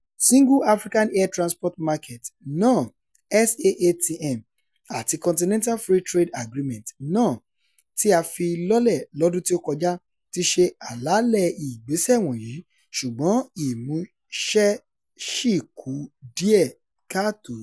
Single African Air Transport market náà (SAATM), àti Continental Free Trade Agreement náà, tí a fi lọ́lẹ̀ lọ́dún tí ó kọjá, ti se àlàálẹ̀ ìgbésẹ̀ wọ̀nyí, ṣùgbọ́n ìmúṣẹ ṣì kù díẹ̀ káàtó.